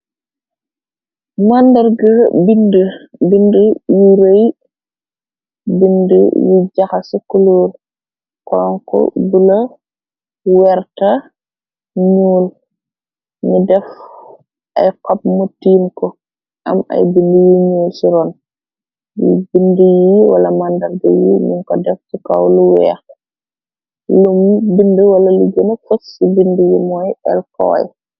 Màndarga bind bind yu rëy bind yu jaxa ci kuluur konk bula werta ñuul nu def ay xob mutiin ko am ay bind yi ñu ci ron i bind yi wala màndarga yi min ko def ci kaw lu weex lom bind wala li gëna fos ci bind yi mooy el koy.